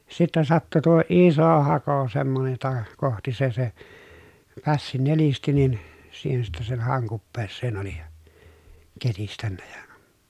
sitten sattui tuo iso hako semmoinen jota kohti se se pässi nelisti niin siihen sitten sen haon kupeeseen oli ketistänyt ja